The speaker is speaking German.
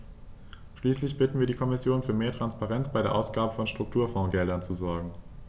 Schließlich bitten wir die Kommission, für mehr Transparenz bei der Ausgabe von Strukturfondsgeldern zu sorgen.